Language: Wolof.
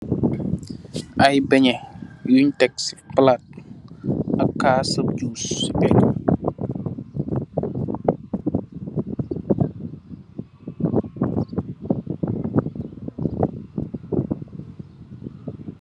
Ay bèèñeh yun tek si palat, ak kassou jooce